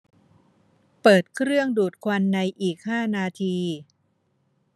เปิดเครื่องดูดควันในอีกห้านาที